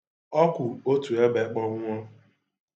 Ọ kwụ otu ebe kpọnwụọ.